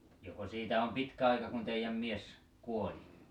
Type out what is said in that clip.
joko siitä on pitkä aika kun teidän mies kuoli